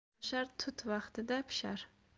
bola shoshar tut vaqtida pishar